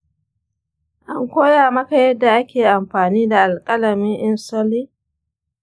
an koya maka yadda ake amfani da alƙalamin insulin?